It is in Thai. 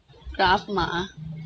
กราฟหมา